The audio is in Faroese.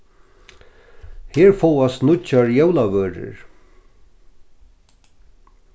her fáast nýggjar jólavørur